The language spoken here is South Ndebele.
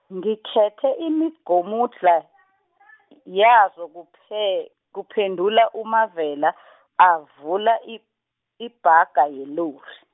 ngikhethe imigomudlha , yazo kuphe-, kuphendula uMavela , avula i-, ibhaga yelori.